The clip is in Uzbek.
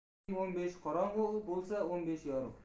oyning o'n beshi qorong'u bo'lsa o'n beshi yorug'